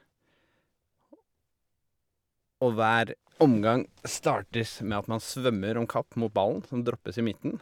og Og hver omgang startes med at man svømmer om kapp mot ballen, som droppes i midten.